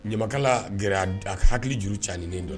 Ɲamakala g da hakili juru caanien dɔ